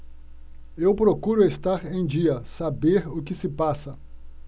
eu procuro estar em dia saber o que se passa